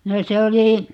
no se oli